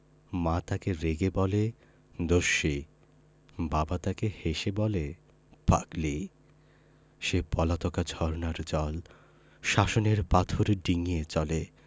মা তাকে রেগে বলে দস্যি বাবা তাকে হেসে বলে পাগলি সে পলাতকা ঝরনার জল শাসনের পাথর ডিঙ্গিয়ে চলে